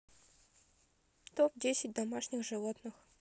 топ десять домашних животных